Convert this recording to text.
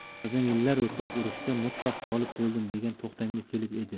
oradan yillar o'tib urushda mutlaq g'olib bo'ldim degan to'xtamga kelib edi